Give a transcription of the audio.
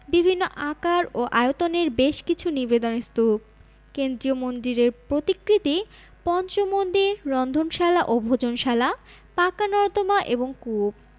বিভিন্ন আকার ও আয়তনের বেশ কিছু নিবেদন স্তূপ কেন্দ্রীয় মন্দিরের প্রতিকৃতি পঞ্চ মন্দির রন্ধনশালা ও ভোজনশালা পাকা নর্দমা এবং কূপ